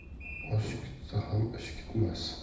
osh kutsa ham ish kutmas